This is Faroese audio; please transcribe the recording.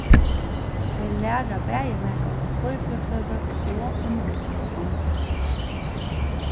tey læra bæði nakað um bíbliusøgu og um list og handverk